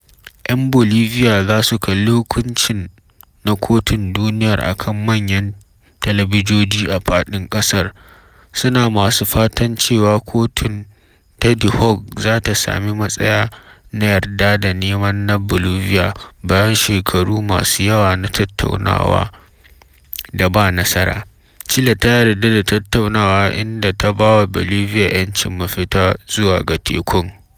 ‘Yan Bolivia za su kalli hukuncin na Kotun Duniyar a kan manyan talabijoji a faɗin ƙasar, suna masu fatan cewa kotun ta The Hague za ta sami matsaya na yarda da neman na Bolivia - bayan shekaru masu yawa na tattaunawa da ba nasara - Chile ta yarda da tattaunawa inda ta ba wa Bolivia ‘yancin mafita zuwa ga tekun.